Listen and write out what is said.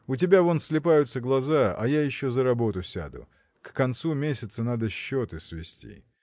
У тебя вон слипаются глаза, а я еще за работу сяду к концу месяца надо счеты свести.